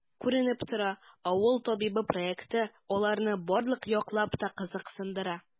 Күренеп тора,“Авыл табибы” проекты аларны барлык яклап та кызыксындыра.